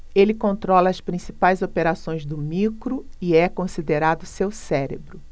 ele controla as principais operações do micro e é considerado seu cérebro